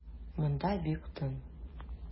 Монда бик тын.